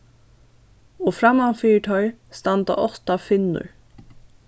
og frammanfyri teir standa átta finnur